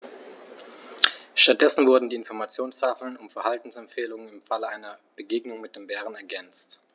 Stattdessen wurden die Informationstafeln um Verhaltensempfehlungen im Falle einer Begegnung mit dem Bären ergänzt.